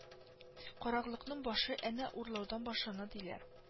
Караклыкның башы энә урлаудан башлана диләр